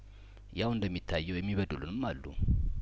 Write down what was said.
ያው እንደሚታየው የሚበድሉንም አሉ